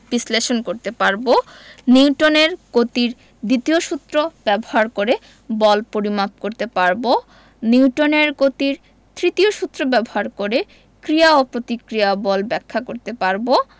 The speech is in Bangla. বিশ্লেষণ করতে পারব নিউটনের গতির দ্বিতীয় সূত্র ব্যবহার করে বল পরিমাপ করতে পারব নিউটনের গতির তৃতীয় সূত্র ব্যবহার করে ক্রিয়া ও প্রতিক্রিয়া বল ব্যাখ্যা করতে পারব